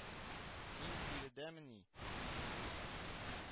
Син биредә- мени, Миңнурый